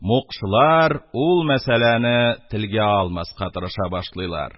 Мукшылар ул мәсьәләне телгә алмаска тырыша башлыйлар.